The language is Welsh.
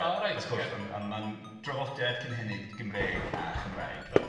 O reit ocê. wrth gwrs on' on' ma'n drafodiad cynhenid Gymrêg a Chymraeg. Reit.